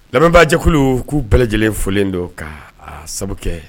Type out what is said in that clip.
Lamɛnbaajɛkulu k'u bɛɛ lajɛlen folilen don ka sabu kɛ